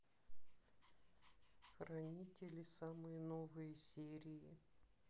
хранители самые новые серии